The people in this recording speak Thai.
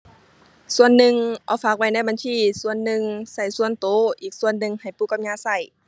อันนี้สะดวกดีครับ ลดขั้นตอนการเดินทางครับผม